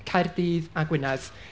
Caerdydd a Gwynedd.